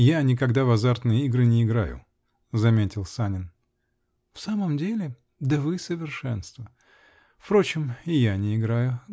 -- Я никогда в азартные игры не играю, -- заметил Санин. -- В самом деле? Да вы совершенство. Впрочем, и я не играю.